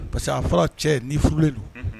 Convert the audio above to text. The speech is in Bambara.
Parce que a fɔra cɛ ni furulen do